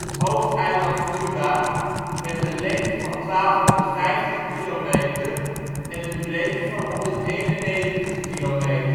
hoofdeiland Cuba, met een lengte van 1250 kilometer en een breedte van 191 km. Dit is tevens